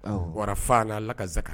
Awɔ